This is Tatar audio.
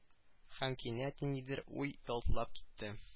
Һәм кинәт ниндидер уй ялтлап китте